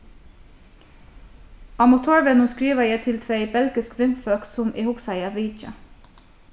á motorvegnum skrivaði eg til tvey belgisk vinfólk sum eg hugsaði at vitja